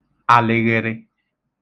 alighịrị